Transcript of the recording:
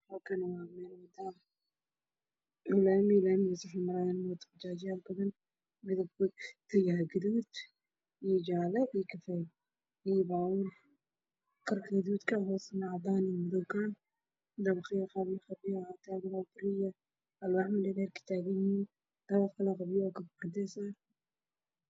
Halkaan waa laami waxaa maraayo bajaajyo midabkooda waa guduud